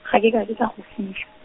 ga ke ka ke ka go fitlha.